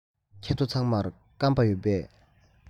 ཁྱེད ཚོ ཚང མར སྐམ པ ཡོད པས